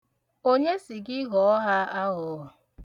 Onye sị gị ghọo ha aghụghọ?